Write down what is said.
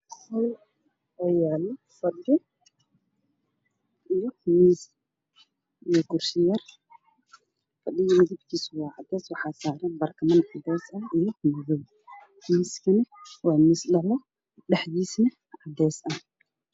Waa qol waxaa yaalo fadhi iyo miis iyo kursi yar. Fadhiga waa cadeys waxaa saaran barkimo cadeys ah, miisku waa labo dhexdiisa waa cadeys.